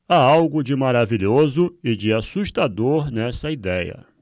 há algo de maravilhoso e de assustador nessa idéia